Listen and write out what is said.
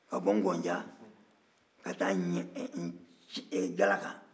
ka bɔ ŋɔja ka taa galakan